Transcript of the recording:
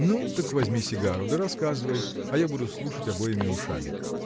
– Ну так возьми сигару да рассказывай а я буду слушать обоими ушами